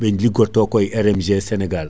ɓe ligodto koy RMG Sénégal